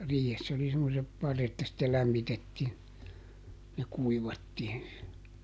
riihessä oli semmoiset parret ja sitten lämmitettiin ja kuivattiin se